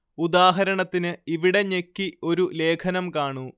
ഉദാഹരണത്തിന് ഇവിടെ ഞെക്കി ഒരു ലേഖനം കാണൂ